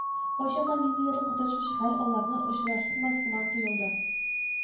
Кайчакта ниндидер коточкыч хәл аларны очраштырмас сыман тоелды